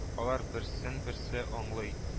Алар берсен-берсе аңлый